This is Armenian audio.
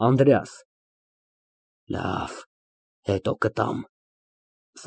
ԱՆԴՐԵԱՍ ֊ Լավ, հետո կտամ։